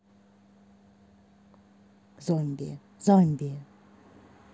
zombie zombie